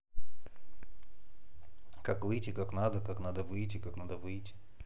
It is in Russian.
как выйти как надо как надо выйти как надо выйти